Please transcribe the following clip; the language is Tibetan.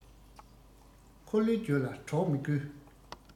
འཁོར ལོས བསྒྱུར ལ གྲོགས མི དགོས